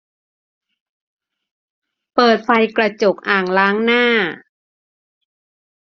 เปิดไฟกระจกอ่างล้างหน้า